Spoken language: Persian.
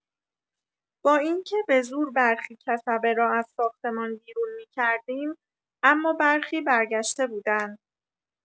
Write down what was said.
با اینکه به‌زور برخی کسبه را از ساختمان بیرون می‌کردیم، اما برخی برگشته بودند.